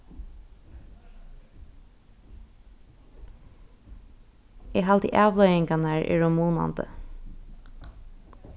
eg haldi avleiðingarnar eru munandi